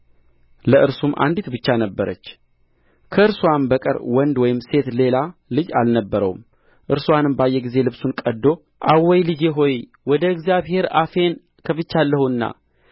ለእርሱም አንዲት ብቻ ነበረች ከእርስዋም በቀር ወንድ ወይም ሴት ሌላ ልጅ አልነበረውም እርስዋንም ባየ ጊዜ ልብሱን ቀድዶ አወይ ልጄ ሆይ ወደ እግዚአብሔር አፌን ከፍቻለሁና